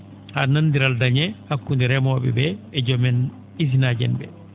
haa nanonndiral dañee hakkude remoo?e ?ee e joom en usine aji en ?e